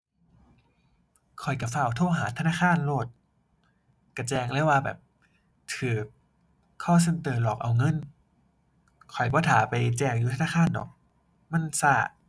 ข้อยก็ฟ้าวโทรหาธนาคารโลดก็แจ้งเลยว่าแบบก็ call center หลอกเอาเงิน ข้อยบ่ท่าไปแจ้งอยู่ธนาคารดอก มันก็